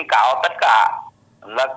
cáo tất cả